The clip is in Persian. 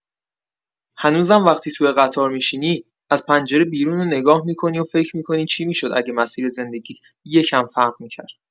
هنوزم وقتی توی قطار می‌شینی، از پنجره بیرونو نگاه می‌کنی و فکر می‌کنی چی می‌شد اگه مسیر زندگیت یه کم فرق می‌کرد؟